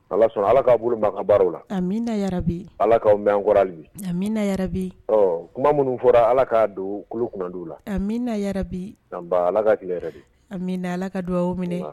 Ala sɔnna ala ka bolo mɛn a ka baaraw la , a minina yarabi. Ala kaw mɛn an kɔrɔ halibi . Amina yarabi. Ɔɔ kuma minnu fɔra ala ka don kulu kunnan diw la, amina yarabi . Ala ka kile hɛrɛ di. amina yarabi. ala ka dugawu aw minɛ.